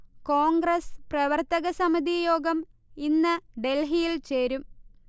കോൺഗ്രസ് പ്രവർത്തക സമിതി യോഗം ഇന്ന് ഡൽഹിയിൽ ചേരും